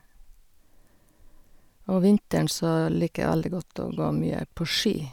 Og vinteren så liker jeg veldig godt å gå mye på ski.